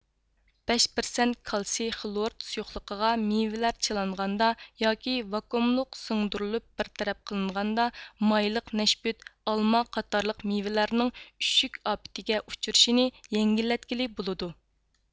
بەش پىرسەنت كالتسىي خلورىد سۇيۇقلۇقىغا مېۋىلەر چىلانغاندا ياكى ۋاكۇئوملۇق سىڭدۈرۈلۈپ بىر تەرەپ قىلىنغاندا مايلىق نەشپۈت ئالما قاتارلىق مېۋىلەرنىڭ ئۈششۈك ئاپىتىگە ئۇچرىشىنى يەڭگىللەتكىلى بولىدۇ